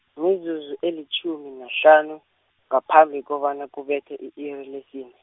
mizuzu elitjhumi nahlanu, ngaphambi kobana kubethe i-iri lesine.